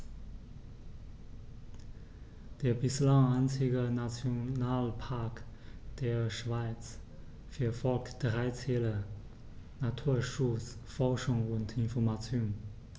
Der bislang einzige Nationalpark der Schweiz verfolgt drei Ziele: Naturschutz, Forschung und Information.